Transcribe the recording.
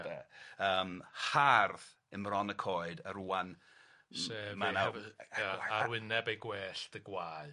De? Yym Hardd ym Mron y Coed a rŵan sef Arwyneb ei gwellt y gwaed.